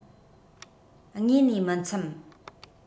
དངོས ནས མི འཚམ